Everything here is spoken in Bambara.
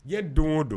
Ye don o don